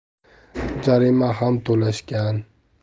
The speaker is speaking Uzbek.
jarima ham to'lashgan